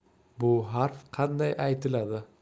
bu harf qanday aytiladi